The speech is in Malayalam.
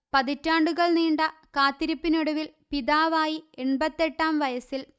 പതിറ്റാണ്ടുകൾ നീണ്ട കാത്തിരിപ്പിനൊടുവിൽ പിതാവായി എണ്പത്തെട്ടാം വയസിൽ